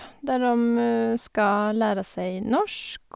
Der dem skal lære seg norsk.